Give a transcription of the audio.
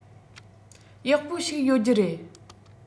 ཡག པོ ཞིག ཡོད རྒྱུ རེད